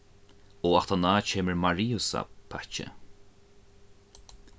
og aftaná kemur mariusa pakki